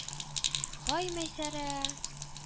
Һай Мәйсәрә